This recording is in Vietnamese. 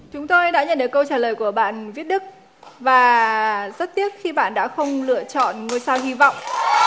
chúng tôi đã nhận được câu trả lời của bạn viết đức và rất tiếc khi bạn đã không lựa chọn ngôi sao hy vọng